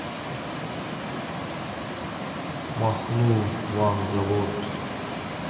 махнул ван завод